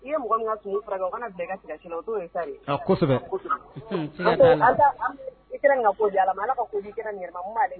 I ye